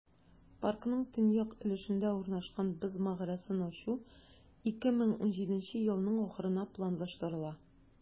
Паркның төньяк өлешендә урнашкан "Боз мәгарәсен" ачу 2017 елның ахырына планлаштырыла.